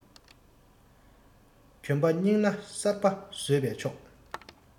གྱོན པ རྙིངས ན གསར པ བཟོས པས ཆོག